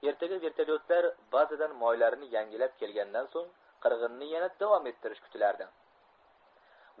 ertaga vertolyotlar bazadan moylarini yangilab kelgandan so'ng qirg'inni yana davom ettirish kutilardi